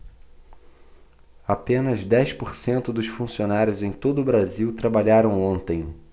apenas dez por cento dos funcionários em todo brasil trabalharam ontem